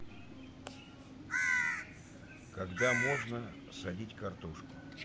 когда можно садить картошку